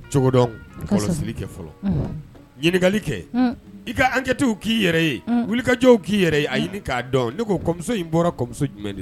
Cogodɔn kɔlɔsi kɛ fɔlɔ ɲininkakalikɛ i ka an kɛtigiw k'i yɛrɛ ye wulikajɔw k'i yɛrɛ a ɲini k'a dɔn ne ko kɔmi in bɔra kɔmi jumɛn de